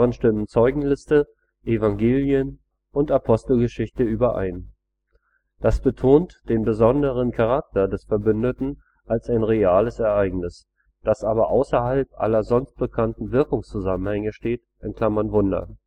stimmen Zeugenliste, Evangelien und Apostelgeschichte überein. Das betont den besonderen Charakter des Verkündeten als ein reales Ereignis, das aber außerhalb aller sonst bekannten Wirkungszusammenhänge steht („ Wunder